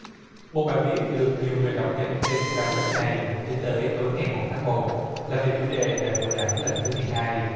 một bài viết được nhiều người đọc nhất trên trang goép này tính tới tối ngày một tháng một là về chủ đề đại hội đảng lần thứ mười hai